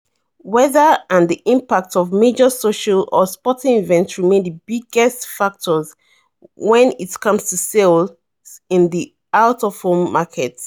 Weather and the impact of major social or sporting events remain the biggest factors when it comes to sales in the out-of-home market.